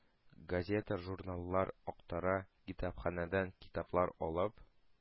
Газета-журналлар актара, китапханәдән китаплар алып